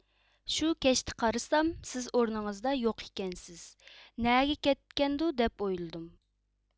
شۇ كەچتە قارىسام سىز ئورنىڭىزدا يوق ئىكەنسىز نەگ كەتكەندۇ دەپ ئويلىدىم